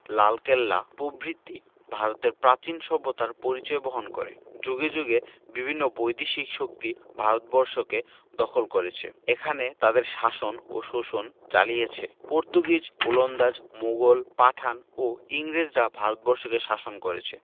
লালকেল্লা প্রভৃতি ভারতের প্রাচীন সভ্যতার পরিচয় বহন করে যুগে যুগে বিভিন্ন বৈদেশিক শক্তি ভারতবর্ষকে দখল করেছে এখানে তাদের শাসন ও শোষণ চালিয়েছে পর্তুগিজ ওলন্দাজ মুঘল পাঠান ও ইংরেজরা ভারত বর্ষকে শাসন করেছে